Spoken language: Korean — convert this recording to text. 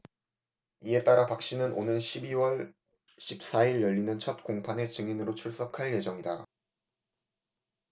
이에 따라 박씨는 오는 십 이 월 십 사 일 열리는 첫 공판에 증인으로 출석할 예정이다